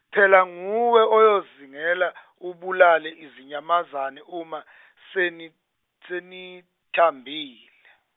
phela nguwe oyozingela , ubulale izinyamazane uma , seni- senithambile.